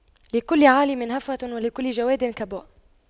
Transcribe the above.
لكل عالِمٍ هفوة ولكل جَوَادٍ كبوة